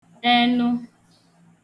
enụ